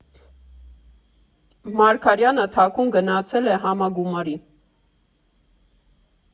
Մարգարյանը թաքուն գնացել է համագումարի։